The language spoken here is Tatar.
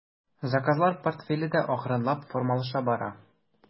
Заказлар портфеле дә акрынлап формалаша бара.